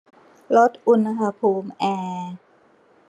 ลดอุณหภูมิแอร์